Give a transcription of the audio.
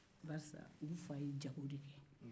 barisa oluw fa ye jago de kɛ